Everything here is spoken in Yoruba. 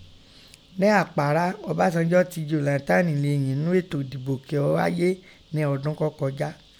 Nẹ́ àpárá, Ọbásanjọ́ ti Jónátánì leyìn ńnú ètò èdìbò kí ọ́ háyé nẹ́ ọdún kọ́ kọjá.